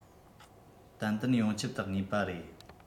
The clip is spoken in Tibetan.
ཏན ཏན ཡོངས ཁྱབ ཏུ གནས པ རེད